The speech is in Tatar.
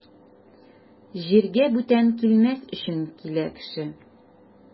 Җиргә бүтән килмәс өчен килә кеше.